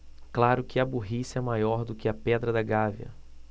claro que a burrice é maior do que a pedra da gávea